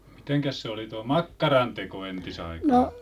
mitenkäs se oli tuo makkaranteko entisaikaan